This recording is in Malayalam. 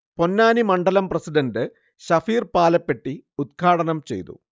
പൊന്നാനി മണ്ഡലം പ്രസിഡണ്ട് ശഫീർ പാലപ്പെട്ടി ഉൽഘാടനം ചെയ്തു